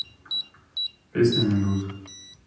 песни медузы